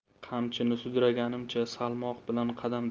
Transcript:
qamchini sudraganimcha salmoq bilan qadam